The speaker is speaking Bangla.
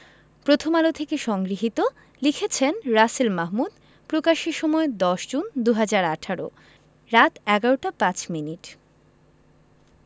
প্রথমআলো থেকেসংগৃহীত লিখেছেন রাসেল মাহ্ মুদ প্রকাশের সময় ১০ জুন ২০১৮ রাত ১১টা ৫ মিনিট